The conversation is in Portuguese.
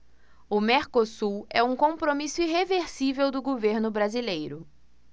o mercosul é um compromisso irreversível do governo brasileiro